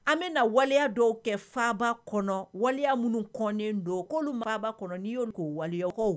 An bɛna na waleya dɔw kɛ faba kɔnɔ waliya minnu kɔnnen don k'olu maraba kɔnɔ n'i y'olu ko waliyɔkaw